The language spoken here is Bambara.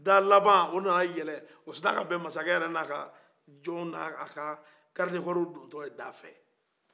da laban o na nayɛlɛ o sina ka bɛ masakɛ yɛrɛ ni a ka jɔnw ni a ka garidiw don tɔ da fɛ